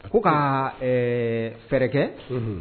A ko ka ɛɛ fɛɛrɛ kɛ, unhun